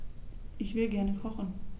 Ich will gerne kochen.